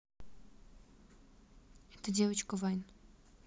эта девочка вайн